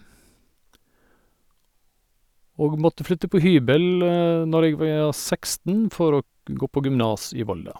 Og måtte flytte på hybel når jeg var seksten for å gu gå på gymnas i Volda.